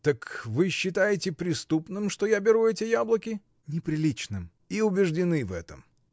Так вы считаете преступным, что я беру эти яблоки. — Неприличным. — И убеждены в этом?